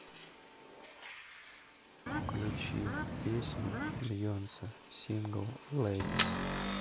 включи песню бейонсе сингл ледис